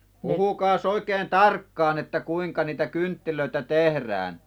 puhukaas oikein tarkkaan että kuinka niitä kynttilöitä tehdään